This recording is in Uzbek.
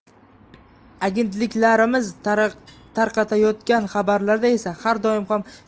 agentliklarimiz tarqatayotgan xabarlarda esa har doim ham